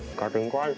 cá tính quá đi